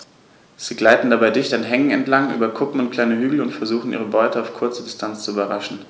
Sie gleiten dabei dicht an Hängen entlang, über Kuppen und kleine Hügel und versuchen ihre Beute auf kurze Distanz zu überraschen.